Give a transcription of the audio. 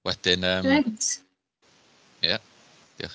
Wedyn ymm... Reit. ...Ie diolch.